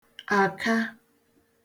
àka